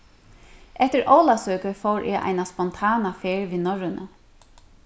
eftir ólavsøku fór eg eina spontana ferð við norrønu